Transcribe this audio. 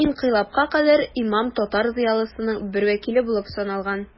Инкыйлабка кадәр имам татар зыялысының бер вәкиле булып саналган.